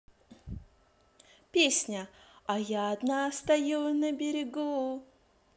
песня а я одна стою на берегу